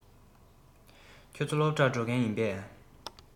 ཁྱེད ཚོ སློབ གྲྭར འགྲོ མཁན ཡིན པས